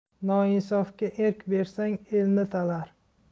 noinsofga erk bersang elni talar